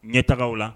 Ɲɛ taga aw la